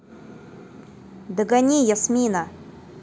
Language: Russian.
догони ясмина